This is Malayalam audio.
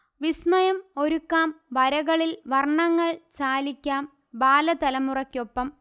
വിസ്മയം ഒരുക്കാം വരകളിൽ വർണ്ണങ്ങൾ ചാലിക്കാം ബാലതലമുറയ്ക്കൊപ്പം